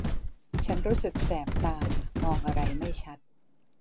ฉันรู้สึกแสบตามองอะไรไม่ชัด